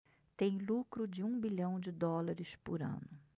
tem lucro de um bilhão de dólares por ano